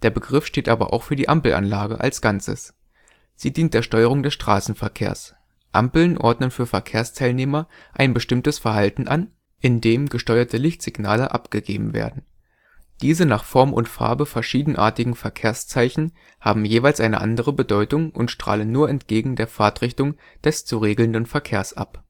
Begriff steht aber auch für die „ Ampelanlage “als Ganzes. Sie dient der Steuerung des Straßenverkehrs. Ampeln ordnen für Verkehrsteilnehmer ein bestimmtes Verhalten an, indem gesteuerte Lichtsignale abgegeben werden. Diese nach Form und Farbe verschiedenartigen Verkehrszeichen haben jeweils eine andere Bedeutung und strahlen nur entgegen der Fahrtrichtung des zu regelnden Verkehrs ab